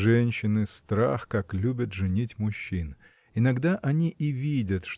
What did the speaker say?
Женщины страх как любят женить мужчин иногда они и видят